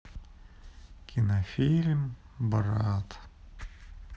кинофильм брат